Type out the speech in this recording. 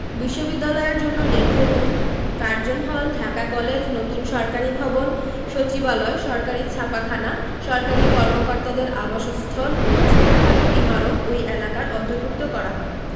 বিশ্ববিদ্যালয়ের জন্য নির্ধারিত হয় কার্জন হল ঢাকা কলেজ নতুন সরকারি ভবন সচিবালয় সরকারি ছাপাখানা সরকারি কর্মকর্তাদের আবাসস্থল ও ছোটখাট ইমারত ওই এলাকার অন্তর্ভুক্ত করা হয়